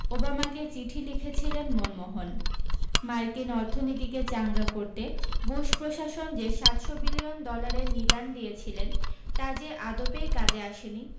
ওবামাকে চিঠি লিখেছিলেন মনমোহন মার্কিন অর্থনীতিকে চাঙ্গা করতে বুশ প্রশাসন যে সাতশ বিলিয়ন ডলারের নিদান দিয়েছিলেন তা যে আদপেই কাজে আসেনি